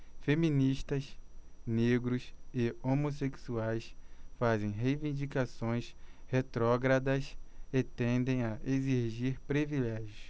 feministas negros e homossexuais fazem reivindicações retrógradas e tendem a exigir privilégios